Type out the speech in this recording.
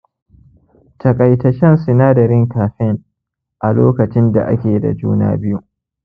taƙaita shan sinadarin kafen a lokacin da ake da juna-biyu